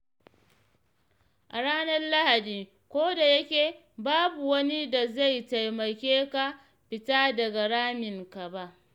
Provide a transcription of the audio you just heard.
A ranar Lahadi, kodayake, babu wani da zai taimake ka fita daga raminka ba.